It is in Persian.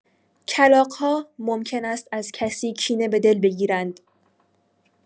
کلاغ‌ها ممکن است از کسی کینه به دل بگیرند.